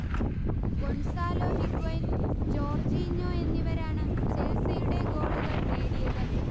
Gonzalo Higuain, Jorginho എന്നിവരാണ് ചെൽസിയുടെ ഗോളുകൾ നേടിയത്